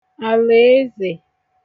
àlàezè